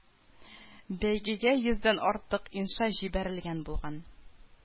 Бәйгегә йөздән артык инша җибәрелгән булган